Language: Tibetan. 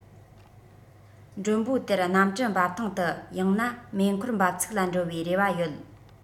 མགྲོན པོ དེར གནམ གྲུ འབབ ཐང དུ ཡང ན མེ འཁོར འབབ ཚུགས ལ འགྲོ བའི རེ བ ཡོད